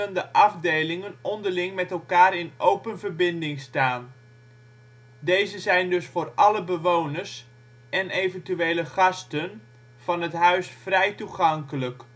afdelingen onderling met elkaar in open verbinding staan. Deze zijn dus voor alle bewoners (en eventuele gasten) van het huis vrij toegankelijk